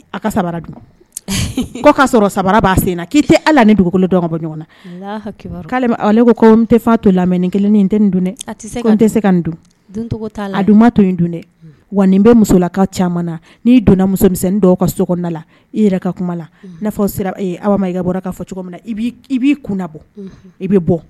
Sɔrɔ' sen' tɛ ala ni dugukolo bɔ ɲɔgɔn na ko tɛ to lam ni kelen tɛ n tɛ ka to dun wa bɛ musolaka caman n' donna musomisɛn ka so la i ka kuma la sera i bɔra k'a fɔ cogo min na i i b'i kun bɔ i bɛ bɔ